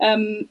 Yym.